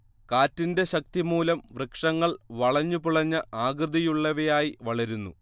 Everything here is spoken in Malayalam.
കാറ്റിന്റെ ശക്തിമൂലം വൃക്ഷങ്ങൾ വളഞ്ഞുപുളഞ്ഞ ആകൃതിയുള്ളവയായി വളരുന്നു